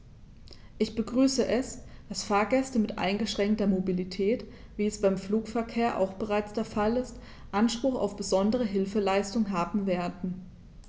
Ich begrüße es, dass Fahrgäste mit eingeschränkter Mobilität, wie es beim Flugverkehr auch bereits der Fall ist, Anspruch auf besondere Hilfeleistung haben werden.